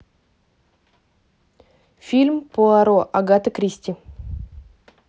фильм пуаро агаты кристи